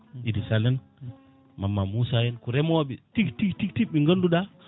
Idy Sall en Mama Moussa en ko reemoɓe tigui tigui tigui tigui ɓe ganduɗa